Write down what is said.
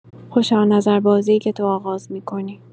خوشا نظر بازی‌ای که تو آغاز می‌کنی.